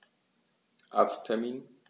Arzttermin